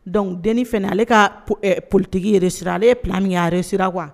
Donc deniin fana , ale ka politigi yɛrɛ , reussi la ale ye plan min kɛ, a reussi la.